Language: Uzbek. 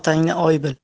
otangni oy bil